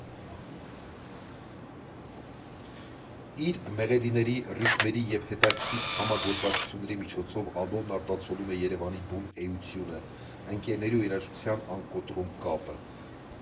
Իր մեղեդիների, ռիթմերի և հետաքրքիր համագործակցությունների միջոցով ալբոմն արտացոլում է Երևանի բուն էությունը, ընկերների ու երաժշտության անկոտրում կապը։